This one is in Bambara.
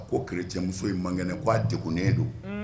A ko ke cɛmuso in man kɛnɛ k' a deko ne do